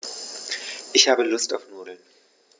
Ich habe Lust auf Nudeln.